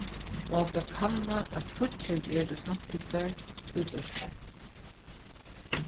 og hann skal kanna at fígging er til samtyktar útreiðslur